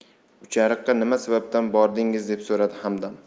uchariqqa nima sababdan bordingiz deb so'radi hamdam